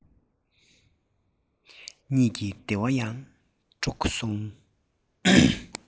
གཉིད ཀྱི བདེ བ ཡང དཀྲོགས སོང